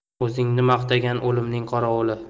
o'zini maqtagan o'limning qorovuli